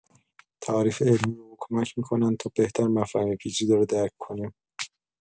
تعاریف علمی به ما کمک می‌کنند تا بهتر مفاهیم پیچیده را درک کنیم.